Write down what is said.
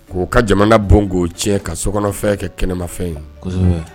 K' ka jamana bon k'o tiɲɛ ka sokɔnɔfɛn kɛ kɛnɛmafɛn ye